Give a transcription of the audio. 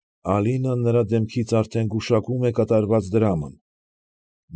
Ալինան նրա դեմքից արդեն գուշակում է կատարված դրաման։